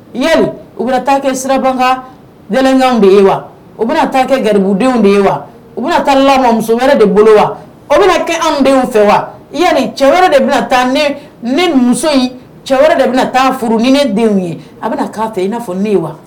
Yali u bɛ taa kɛ sirabakankan de ye wa u bɛ taa kɛ gbugudenw de ye wa u bɛna taa la muso wɛrɛ de bolo wa o bɛ kɛ anw denw fɛ wa ya cɛ wɛrɛ de bɛna taa ne muso in cɛ wɛrɛ de bɛna taa furu ni denw ye a bɛ' ta i n'a fɔ ne ye wa